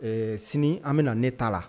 Ɛɛ sini an bɛ na ne t'a la